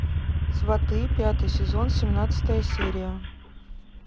сваты пятый сезон семнадцатая серия